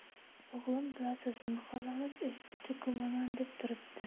o'g'lim bilasiz mahallamiz eski to'kilaman deb turibdi